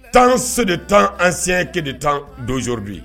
Tan se de tan an si kelen de tan donsoyobi yen